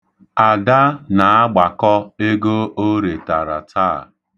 Ada na-agbakọ ego o retara taa.